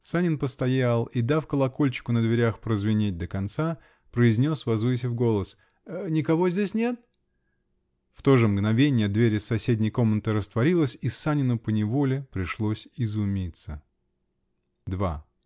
Санин постоял и, дав колокольчику на дверях прозвенеть до конца, произнес, возвысив голос: "Никого здесь нет?" В то же мгновение дверь из соседней комнаты растворилась -- и Санину поневоле пришлось изумиться. Два.